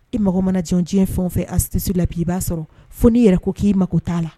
I mago mana jɔ diɲɛn fɛn o fɛn na bi , a astuce bɛ sɔrɔ fo n'i yɛrɛ ko k'i mago t'a la.